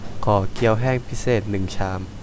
ขอเกี้ยวแห้งพิเศษหนึ่งชาม